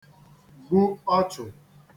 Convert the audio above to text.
-gbu ọchụ̀